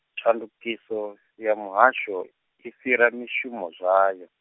tshandukiso, ya muhasho, i fhira mishumo zwayo.